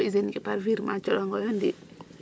so usine ke par virement coxango yo ndi ²